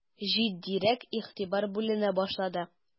Җитдирәк игътибар бүленә башлады.